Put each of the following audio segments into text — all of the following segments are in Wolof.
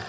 Bachir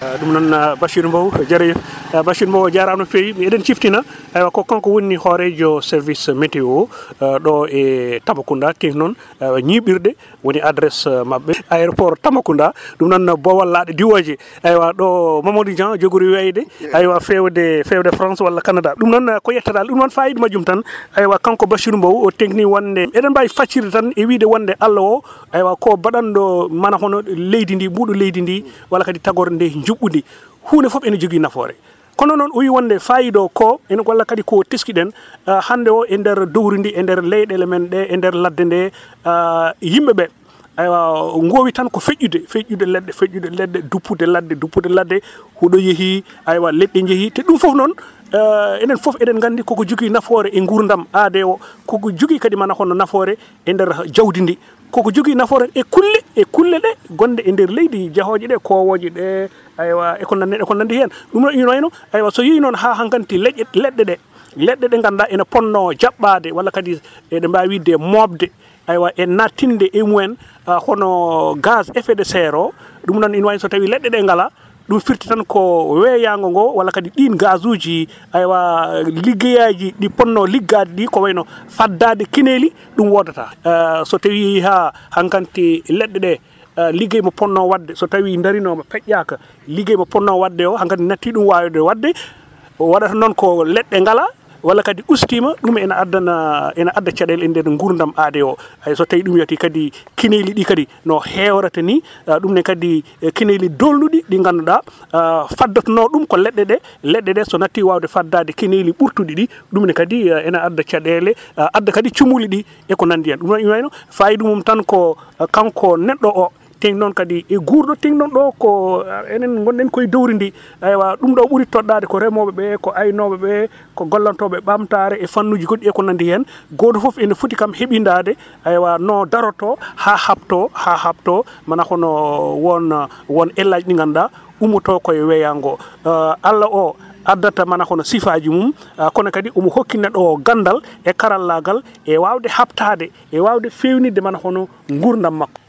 Mbow